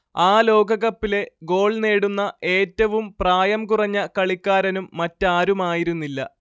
ആ ലോകകപ്പിലെ ഗോൾ നേടുന്ന ഏറ്റവും പ്രായം കുറഞ്ഞ കളിക്കാരനും മറ്റാരുമായിരുന്നില്ല